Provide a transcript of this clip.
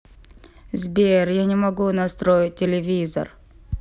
сбер я не могу настроить телевизор